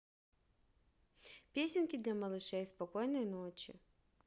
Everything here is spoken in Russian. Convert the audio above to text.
песенки для малышей спокойной ночи